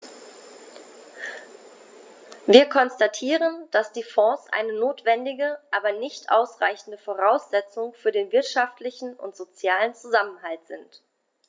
Wir konstatieren, dass die Fonds eine notwendige, aber nicht ausreichende Voraussetzung für den wirtschaftlichen und sozialen Zusammenhalt sind.